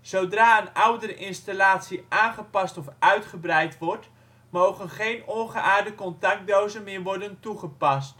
Zodra een oudere installatie aangepast of uitgebreid wordt mogen geen ongeaarde contactdozen meer worden toegepast.